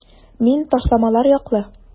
Мин ташламалар яклы.